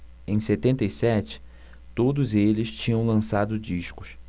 em setenta e sete todos eles tinham lançado discos